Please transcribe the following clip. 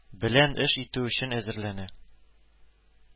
Белән эш итү өчен әзерләнә